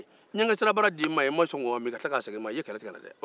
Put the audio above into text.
n ye n ka sirabara d'i ma i ma sɔn k' min i m'a segin ma i ye kɛlɛtigɛ n na dɛ